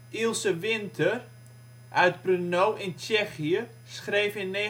Ilse Winter uit Brno in Tsjechië schreef in mei 1927